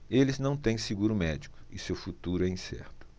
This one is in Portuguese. eles não têm seguro médico e seu futuro é incerto